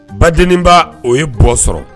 Ba jba o ye bɔ sɔrɔ